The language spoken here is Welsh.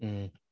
Mm.